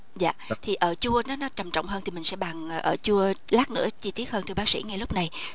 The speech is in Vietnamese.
dạ thì ợ chua nó trầm trọng hơn thì mình sẽ bàn ợ chua lát nữa chi tiết hơn thưa bác sĩ ngay lúc này